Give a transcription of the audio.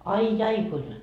ai ai kuinka